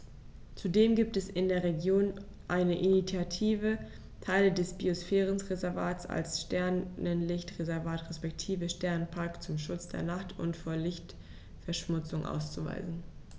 Zudem gibt es in der Region eine Initiative, Teile des Biosphärenreservats als Sternenlicht-Reservat respektive Sternenpark zum Schutz der Nacht und vor Lichtverschmutzung auszuweisen.